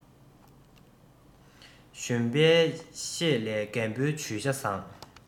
གཞོན པའི ཤེད ལས རྒད པོའི ཇུས བྱ བཟང